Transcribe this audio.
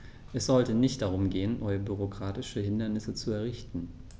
Es sollte nicht darum gehen, neue bürokratische Hindernisse zu errichten.